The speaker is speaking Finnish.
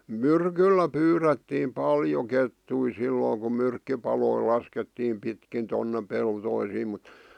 myrkyllä pyydettiin paljon kettuja silloin kun myrkkypaloja laskettiin pitkin tuonne peltoihin mutta